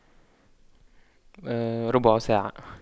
ربع ساعة